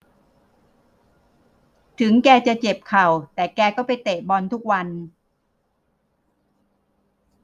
ถึงแกจะเจ็บเข่าแต่แกก็ไปเตะบอลทุกวัน